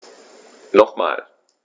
Nochmal.